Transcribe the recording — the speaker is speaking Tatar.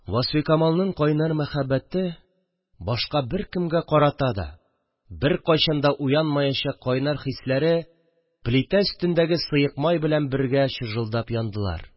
Васфикамалның кайнар мәхәббәте, башка беркемгә карата да, беркайчан да уянмаячак кайнар хисләре плитә өстендәге сыек май белән бергә чыжылдап яндылар